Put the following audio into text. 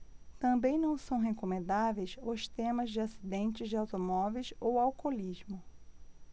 também não são recomendáveis os temas de acidentes de automóveis ou alcoolismo